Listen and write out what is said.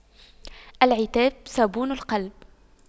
العتاب صابون القلب